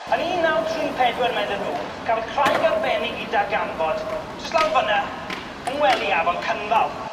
Yn un naw tri pedwar medden nhw cafodd craig arbennig 'i darganfod jyst lawr fyn 'na yng ngwely afon Cynfal.